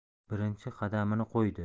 birinchi qadamini qo'ydi